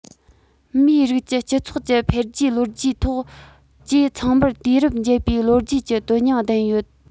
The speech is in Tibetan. མིའི རིགས ཀྱི སྤྱི ཚོགས ཀྱི འཕེལ རྒྱས ལོ རྒྱུས ཐོག བཅས ཚང མར དུས རབས འབྱེད པའི ལོ རྒྱུས ཀྱི དོན སྙིང ལྡན ཡོད